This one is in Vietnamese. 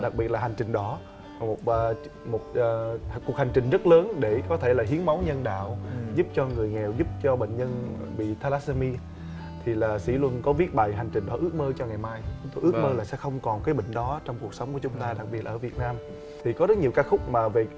đặc biệt là hành trình đỏ và một à một à cuộc hành trình rất lớn để có thể hiến máu nhân đạo giúp cho người nghèo giúp cho bệnh nhân bị tha lát se mi thì là sỹ luân có viết bài hành trình ước mơ cho ngày mai tôi ước mơ là sẽ không còn cái bệnh đó trong cuộc sống của chúng ta đặc biệt ở việt nam thì có rất nhiều ca khúc mà về